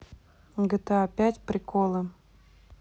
гта пять приколы